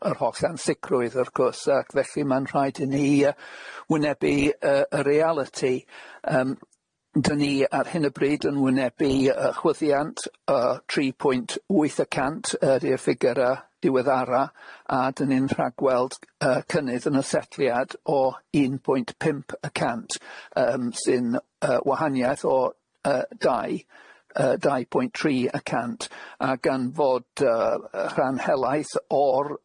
yr holl ansicrwydd wrth gwrs ac felly ma'n rhaid i ni y- wynebu yyy y realiti yym dyn ni ar hyn o bryd yn wynebu y- chwyddiant y- tri pwynt wyth y cant ydi'r ffigyra diweddara a dan ni'n rhagweld y- cynnydd yn y setliad o un pwynt pump y cant yym sy'n y- wahaniaeth o y- dau y- dau pwynt tri y cant a gan fod y- y- rhan helaeth o'r